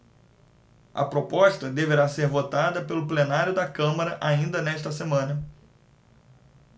a proposta deverá ser votada pelo plenário da câmara ainda nesta semana